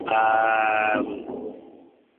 a yym.